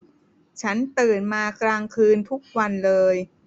ฉันตื่นมากลางคืนทุกวันเลย